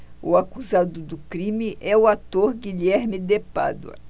o acusado do crime é o ator guilherme de pádua